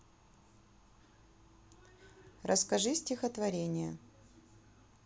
расскажи стихотворение